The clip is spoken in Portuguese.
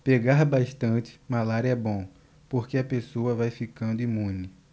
pegar bastante malária é bom porque a pessoa vai ficando imune